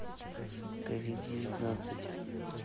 ковид девятнадцать